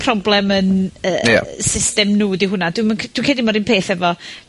problem yn yy... Ia. ...system nhw 'di hwnna. Dw'm yn, dwi credu ma'r un peth efo